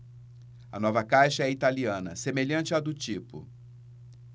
a nova caixa é italiana semelhante à do tipo